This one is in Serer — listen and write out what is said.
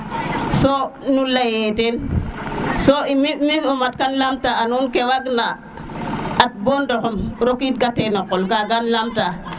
so nu leye teen so mi mi o mat kam laam ta nuun ke waag na at bo ndoxom rokit kate no qol kagam lamta